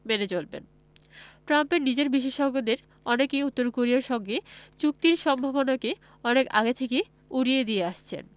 মেনে চলবেন ট্রাম্পের নিজের বিশেষজ্ঞদের অনেকেই উত্তর কোরিয়ার সঙ্গে চুক্তির সম্ভাবনাকে অনেক আগে থেকেই উড়িয়ে দিয়ে আসছেন